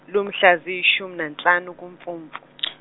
lumhla ziyishumi nanhlanu kuMfumfu .